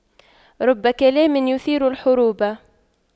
رب كلام يثير الحروب